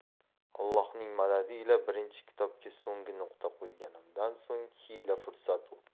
ollohning madadi ila birinchi kitobga so'nggi nuqta qo'yganimdan so'ng xiyla fursat o'tdi